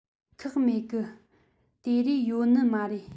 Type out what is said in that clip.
ཁག མེད གི དེ རས ཡོད ནི མ རེད